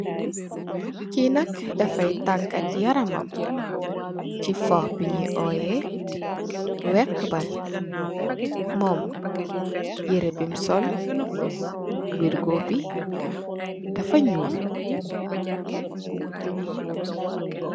Ki nak dafay tagat yaram ci foh bu ñoy óyeh wexa bal . Mom yirèh bum sol wirgo go bi dafa ñuul.